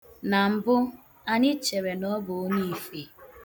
Na mbụ, anyị chere na ọ bụ onye ife.